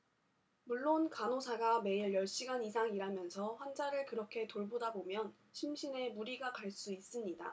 물론 간호사가 매일 열 시간 이상 일하면서 환자를 그렇게 돌보다 보면 심신에 무리가 갈 수 있습니다